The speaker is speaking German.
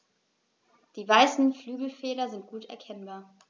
Die weißen Flügelfelder sind gut erkennbar.